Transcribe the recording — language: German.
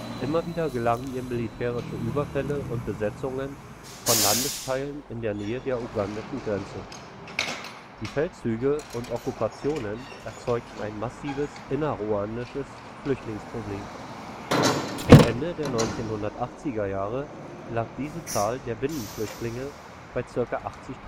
Immer wieder gelangen ihr militärische Überfälle und Besetzungen von Landesteilen in der Nähe der ugandischen Grenze. Die Feldzüge und Okkupationen erzeugten ein massives innerruandisches Flüchtlingsproblem. Ende der 1980er Jahre lag diese Zahl der Binnenflüchtlinge bei zirka 80.000